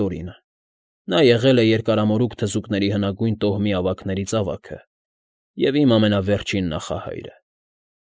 Տորինը։֊ Նա եղել է Երկարամորուք թզուկների հնագույն տոհմի ավագներից ավագը և իմ ամենավեջին նախահայրը։